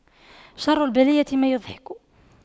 شر البلية ما يضحك